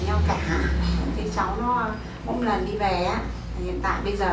nhau cả thế cháu nó mỗi một lần đi về á hiện tại bây giờ